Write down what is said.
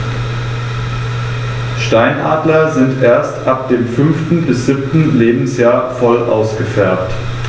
Steinadler sind erst ab dem 5. bis 7. Lebensjahr voll ausgefärbt.